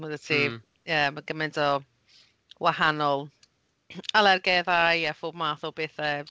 Mae 'da ti... M-hm. ...Ie mae gymaint o wahanol alergeddau a phob math o bethe.